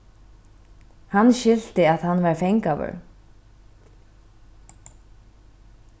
hann skilti at hann var fangaður